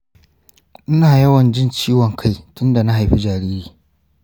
ina yawan jin ciwon kai tunda na haifi jariri